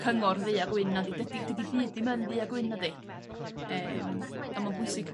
cyngor ddu-a-gwyn nadi dydi dydi byd ddim yn ddu a gwyn nadi? Yym a ma'n bwysig